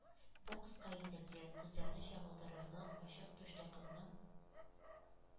Бу кыска итәкле, күзләрне чагылдырырлык ачык түшле кызның